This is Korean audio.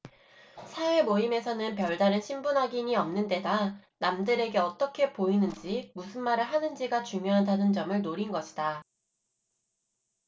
사회모임에서는 별다른 신분 확인이 없는 데다 남들에게 어떻게 보이는지 무슨 말을 하는지가 중요하다는 점을 노린 것이다